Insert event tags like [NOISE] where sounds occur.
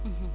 [HESITATION] [HESITATION]